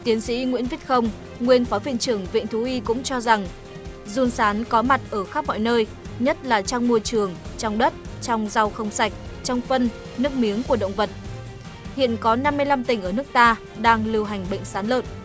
tiến sĩ nguyễn viết không nguyên phó viện trưởng viện thú y cũng cho rằng giun sán có mặt ở khắp mọi nơi nhất là trong môi trường trong đất trong rau không sạch trong phân nước miếng của động vật hiện có năm mươi lăm tỉnh ở nước ta đang lưu hành bệnh sán lợn